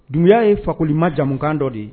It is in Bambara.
Dunbuya ye fakoli majamu kan dɔ de ye